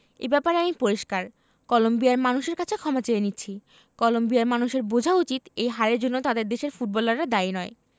এ ব্যাপারে আমি পরিষ্কার কলম্বিয়ার মানুষের কাছে ক্ষমা চেয়ে নিচ্ছি কলম্বিয়ার মানুষের বোঝা উচিত এই হারের জন্য তাদের দেশের ফুটবলাররা দায়ী নয়